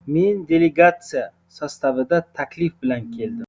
men delegatsiya sostavida taklif bilan keldim